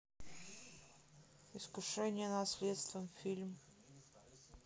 искушение наследством фильм